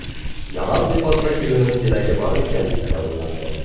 Яңа сыйфатта килүнең кирәге бар микән дип тә уйландым.